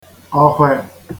ọ̀kwè